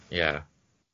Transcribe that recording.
ie.